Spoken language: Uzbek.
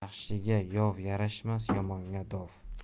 yaxshiga yov yarashmas yomonga dov